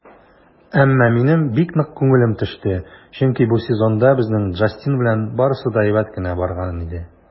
Әмма минем бик нык күңелем төште, чөнки бу сезонда безнең Джастин белән барысы да әйбәт кенә барган иде.